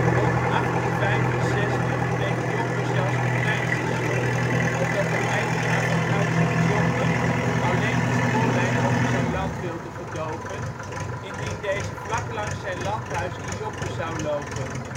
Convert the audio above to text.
Rond 1865 kreeg Joppe zelfs een treinstation omdat de eigenaar van " Huize ' t Joppe " alleen een spoorlijn over zijn land wilde gedogen indien deze vlak langs zijn landhuis in Joppe zou lopen